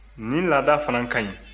nin laada fana ka ɲi